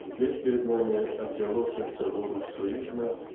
Здесь перед нами отголосок того руссоизма